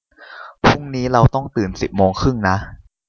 พรุ่งนี้เราต้องตื่นสิบโมงครึ่งนะ